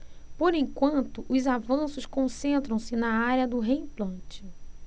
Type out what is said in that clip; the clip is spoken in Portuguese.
por enquanto os avanços concentram-se na área do reimplante